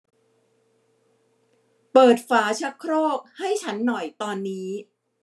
เปิดฝาชักโครกให้ฉันหน่อยตอนนี้